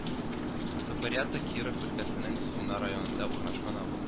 Копырята Киров өлкәсенең Суна районында урнашкан авыл